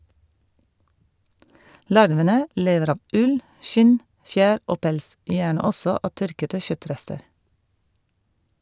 Larvene lever av ull , skinn, fjær og pels, gjerne også av tørkete kjøttrester.